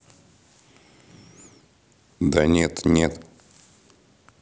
да нет нет